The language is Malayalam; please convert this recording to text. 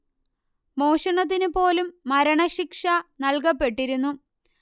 മോഷണത്തിനു പോലും മരണ ശിക്ഷ നൽകപ്പെട്ടിരുന്നു